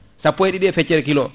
sappo e ɗiɗi e feccere kilo